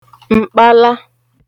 m̀kpala